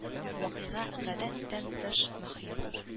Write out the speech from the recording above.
Вакыйга гадәттән тыш мөһим